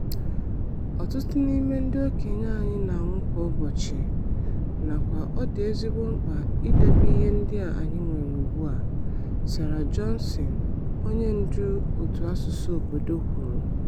"Ọtụtụ n'ime ndị okenye anyị na-anwụ kwa ụbọchị, nakwa ọ dị ezigbo mkpa idobe ihe ndị anyị nwere ugbua," Sarah Johnson, onyendu Òtù asụsụ obodo kwuru.